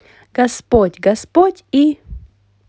господь господь и